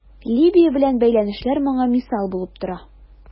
Либия белән бәйләнешләр моңа мисал булып тора.